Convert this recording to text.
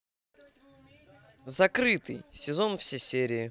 закрытый сезон все серии